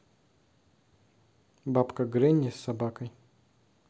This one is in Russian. бабка гренни с собакой